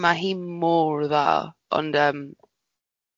Ma' hi mor dda, ond yym...